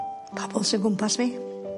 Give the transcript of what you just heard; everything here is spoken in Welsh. Pobol sy o gwmpas fi.